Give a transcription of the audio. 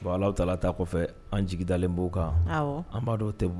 Bon Alahu Taala ta kɔfɛ an jigi dalen b'u kan, awɔ, an b'a dɔw tɛ bɔ